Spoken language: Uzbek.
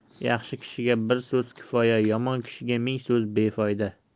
yaxshi kishiga bir so'z kifoya yomon kishiga ming so'z befoyda